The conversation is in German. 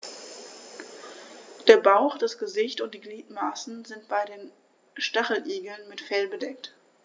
Der Bauch, das Gesicht und die Gliedmaßen sind bei den Stacheligeln mit Fell bedeckt.